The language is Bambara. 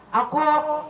A ko